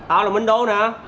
tao là minh đô nè